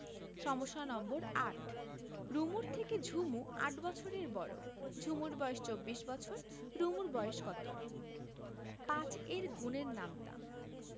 সমস্যা নম্বর ৮ রুমুর থেকে ঝুমু ৮ বছরের বড় ঝুমুর বয়স ২৪ বছর রুমুর বয়স কত ৫ এর গুণের নামতা